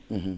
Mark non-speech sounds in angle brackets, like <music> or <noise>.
<hesitation> <hesitation>